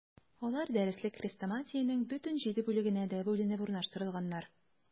Алар дәреслек-хрестоматиянең бөтен җиде бүлегенә дә бүленеп урнаштырылганнар.